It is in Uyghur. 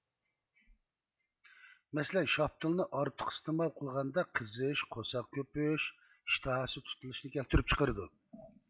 مەسىلەن شاپتۇلنى ئارتۇق ئىستېمال قىلغاندا قىزىش قورساق كۆپۈش ئىشتىھاسى تۇتۇلۇشنى كەلتۈرۈپ چىقىرىدۇ